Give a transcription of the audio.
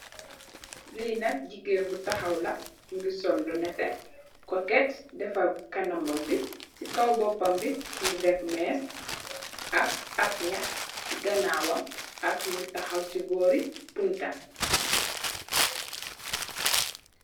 Li nak jigeen bu taxaw la, mugii sol lu netteh, kóket, defarr kanamam bi, si kaw bópambi mugii def més ak ap ñax ci ganaw wam ak ñu taxaw si bóri bunta.